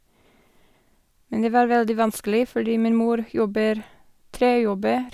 Men det var veldig vanskelig, fordi min mor jobber tre jobber.